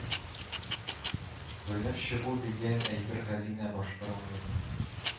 Бүленеп чыгу дигән әйбер гади генә башкарылмый